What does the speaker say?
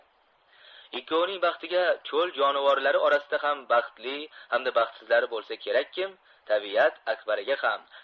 ikkovining baxtiga cho'l jonivorlari orasida ham baxtli hamda baxtsizlari bo'lsa kerakkim tabiat akbaraga ham